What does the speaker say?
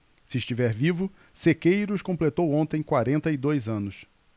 se estiver vivo sequeiros completou ontem quarenta e dois anos